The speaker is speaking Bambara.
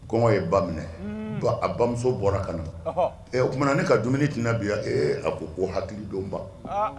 Kɔngɔ ye ba minɛ a bamuso bɔra kanu o tumaumana na ne ka dumuni tɛna bi yan a ko bon hakili donba